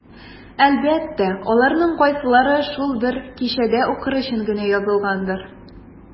Әлбәттә, аларның кайсылары шул бер кичәдә укыр өчен генә язылгандыр.